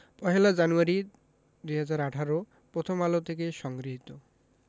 পহেলা জানুয়ারি ২০১৮ পথম আলো থেকে সংগৃহীত